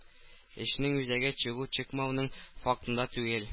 Эшнең үзәге чыгу-чыкмауның фактында түгел.